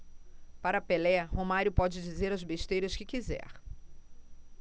para pelé romário pode dizer as besteiras que quiser